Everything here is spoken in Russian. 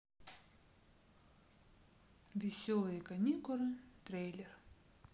веселые каникулы трейлер